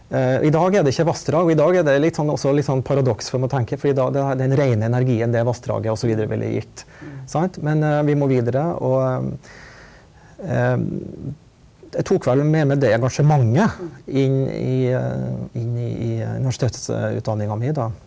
i dag er det ikke vassdrag og i dag er det litt sånn også litt sånn paradoks for må tenke fordi da det den reine energien det vassdraget osv. ville gitt sant men vi må videre og jeg tok vel med meg det engasjementet inn i inn i universitetsutdanninga mi da.